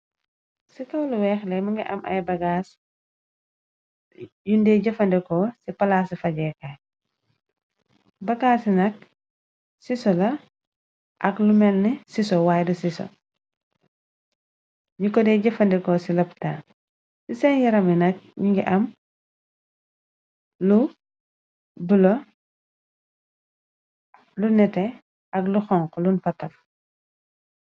Ci kaw lu weex li mi ngi am ay bagaas yunde jëfandekoo ci palaasi fajeekaay , bagaas nak siso la ak lu melne siso y du siso, ñi ko de jëfandeko ci loptaa. ci seen yarami nak ñ ngi am lu bulo, lu nete ak lu xonxo, lun fa taf.